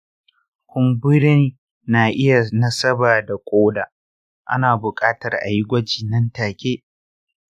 kumburin na iya nasaba da koda; ana bukatar ayi gwaji nan take.